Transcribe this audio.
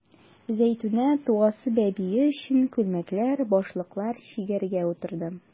Зәйтүнә туасы бәбие өчен күлмәкләр, башлыклар чигәргә утырды.